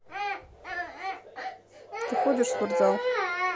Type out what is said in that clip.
ты ходишь в спортзал